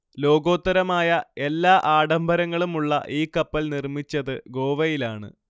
ലോകോത്തരമായ എല്ലാ ആഡംബരങ്ങളുമുള്ള ഈ കപ്പൽ നിർമ്മിച്ചത് ഗോവയിലാണ്